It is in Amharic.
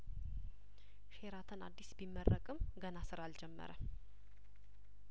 ሼራተን አዲስ ቢመረቅም ገና ስራ አልጀመረም